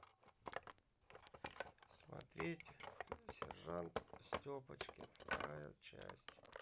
смотреть сержант степочкин вторая часть